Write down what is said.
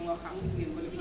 yoo xamante ni *